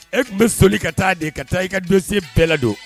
E tun bɛ soli ka taa de, ka taa i ka dossier bɛɛ la don.